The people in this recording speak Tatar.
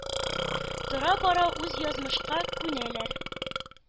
Тора-бара бу язмышка күнәләр.